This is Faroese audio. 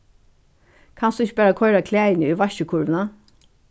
kanst tú ikki bara koyra klæðini í vaskikurvina